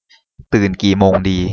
ตื่นกี่โมงดี